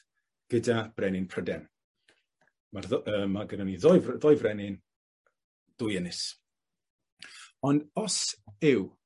gyda brenin Pryden. Ma'r dd- yy ma' gynnon ni ddou br- ddou frenin, dwy ynys. Ond os yw